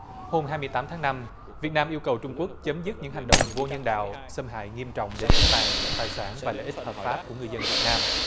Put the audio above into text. hôm hai mươi tám tháng năm việt nam yêu cầu trung quốc chấm dứt những hành động vô nhân đạo xâm hại nghiêm trọng đến tính mạng tài sản và lợi ích hợp pháp của người dân việt nam